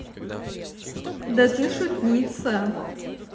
да ты шутница